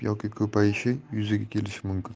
yoki ko'payishi yuzaga kelishi mumkin